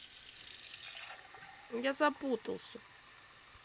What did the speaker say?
я запутался